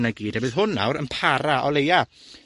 'Na gyd. A bydd hwn nawr yn para o leia